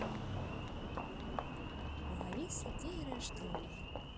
у алисы день рождения